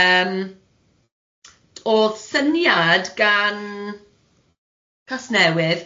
Yym o'dd syniad gan Casnewydd.